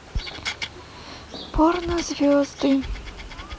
порно звезды